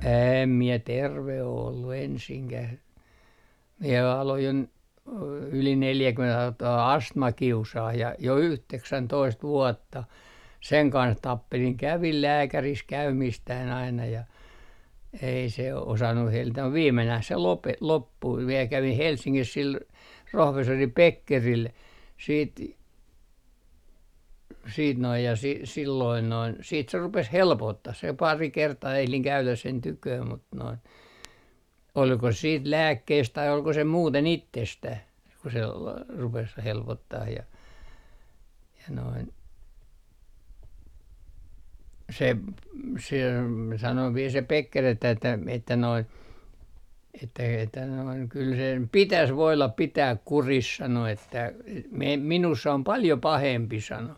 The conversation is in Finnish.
en minä terve ole ollut ensinkään minä aloin jo yli neljäkymmentä alkoi tuo astma kiusaamaan ja jo yhdeksäntoista vuotta sen kanssa tappelin kävin lääkärissä käymistäni aina ja ei se osannut hellitä mutta viimenään se - loppui vielä kävin Helsingissä sillä professori Beckerillä sitten sitten noin ja - silloin noin sitten se rupesi helpottamaan se pari kertaa ehdin käydä sen tykönä mutta noin oliko sitten lääkkeistä tai oliko se muuten itsestään kun se - rupesi helpottamaan ja ja noin se - se sanoi vielä se Becker että että nuo että että noin kyllä sen pitäisi voida pitää kurissa sanoi että -- minussa on paljon pahempi sanoi